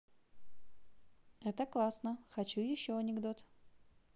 это классно хочу еще анекдот